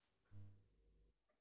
трудовик играть беги